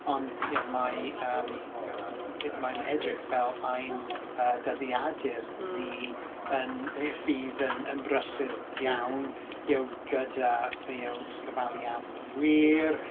Ond y'know mae yym... y'know i- mae'n edrych fel ein yy dyddiadur ni yn... bydd yn... yn brysur iawn y'know gyda y'know gofalu am wŷr.